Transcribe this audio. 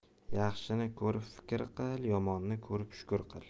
yaxshini ko'rib fikr qil yomonni ko'rib shukur qil